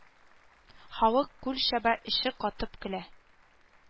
Халык кул чаба, эче катып көлә